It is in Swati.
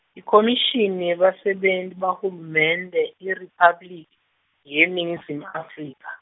IKhomishini yeBasebenti baHulumende, IRiphabliki, yeNingizimu Afrika.